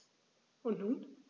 Und nun?